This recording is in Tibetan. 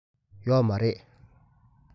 ཡོད མ རེད